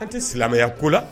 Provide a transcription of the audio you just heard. An tɛ silamɛya ko la